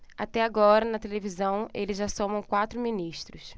até agora na televisão eles já somam quatro ministros